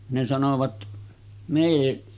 ne sanoivat mene